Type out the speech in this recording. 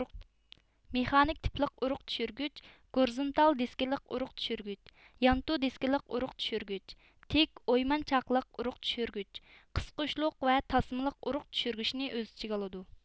مېخانىك تىپلىق ئۇرۇق چۈشۈرگۈچ گورىزۇنتال دىسكىلىق ئۇرۇق چۈشۈرگۈچ يانتۇ دېسكىلىق ئۇرۇق چۈشۈرگۈچ تىك ئويمان چاقلىق ئۇرۇق چۈشۈرگۈچ قىسقۇچلۇق ۋە تاسمىلىق ئۇرۇق چۈشۈرگۈچنى ئۆز ئىچىگە ئالىدۇ